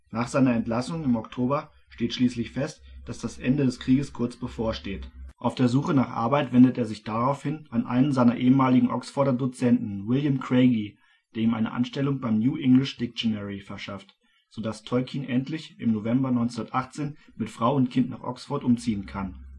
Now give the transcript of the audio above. Nach seiner Entlassung im Oktober steht schließlich fest, dass das Ende des Krieges kurz bevorsteht. Auf der Suche nach Arbeit wendet er sich daraufhin an einen seiner ehemaligen Oxforder Dozenten, William Craigie, der ihm eine Anstellung beim New English Dictionary verschafft, so dass Tolkien endlich im November 1918 mit Frau und Kind nach Oxford umziehen kann